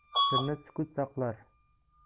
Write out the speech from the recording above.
sirni sukut saqlar